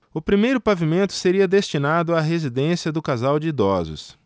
o primeiro pavimento seria destinado à residência do casal de idosos